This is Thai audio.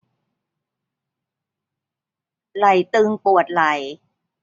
ไหล่ตึงปวดไหล่